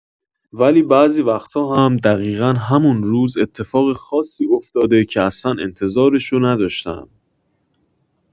ولی بعضی وقتا هم دقیقا همون روز اتفاق خاصی افتاده که اصلا انتظارشو نداشتم.